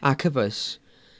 A cyfoes.